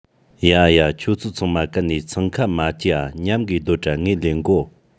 ཡ ཡ ཁྱེད ཆོ ཚང མ གན ནས འཚང ཁ མ སྐྱེ འ མཉམ གིས སྡོད དྲ ངས ལེན གོ